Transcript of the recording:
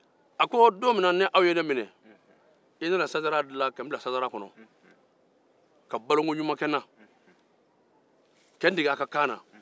a ko don min na aw ye ne minɛ i nana ne bila sansara kɔnɔ ka balokoɲuman kɛ n na ka n dege a ka kan na